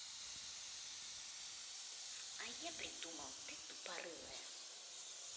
а я придумал ты тупорылая